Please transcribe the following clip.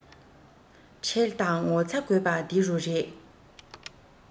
ཁྲེལ དང ངོ ཚ དགོས པ འདི རུ རེད